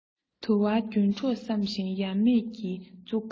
དུ བ རྒྱུན གྲོགས བསམ ཞིང ཡ མེད ཀྱི ཚུགས ཀ